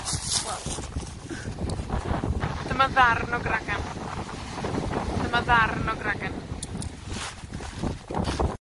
Wel, dyma ddarn o gragan. Dyma ddarn o gragan.